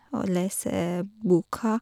Og lese boka.